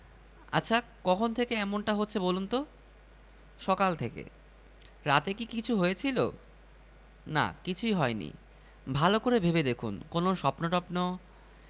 দুপুরের মধ্যে মন্ত্রী মহোদয় নিশ্চিত হলেন বড় কোনো গন্ডগোল হয়ে গেছে তিনি মাথায় হাত দিয়ে ভাবতে বসলেন এবার নিজেই নিজের মাথার স্পর্শ অনুভব করলেন না